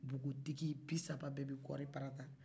npogotigi bi saba bɛɛ bɛ kɔri parata